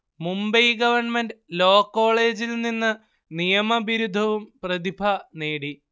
Mumbai government law കോളെജിൽ നിന്ന് നിയമ ബിരുദവും പ്രതിഭ നേടി